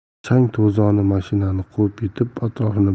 chang to'zoni mashinani quvib yetib atrofini